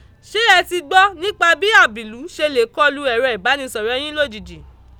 Ṣé ẹ ti gbọ́ nípa bí àbìlú ṣe lè kọlu ẹ̀rọ ìbánisọ̀rọ̀ yín lójijì?